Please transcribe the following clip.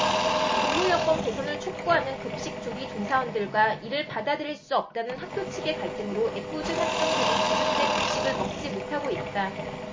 근무여건 개선을 촉구하는 급식 조리 종사원들과 이를 받아들일 수 없다는 학교 측의 갈등으로 애꿎은 학생들이 두 주째 급식을 먹지 못하고 있다